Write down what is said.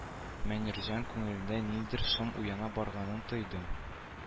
Мөнирҗан күңелендә ниндидер шом уяна барганын тойды